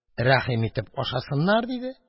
Рәхим итеп ашасыннар! – диде.